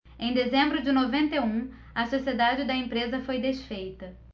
em dezembro de noventa e um a sociedade da empresa foi desfeita